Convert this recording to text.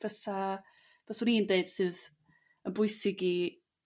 fysa fyswn i'n d'eud sydd yn bwysig i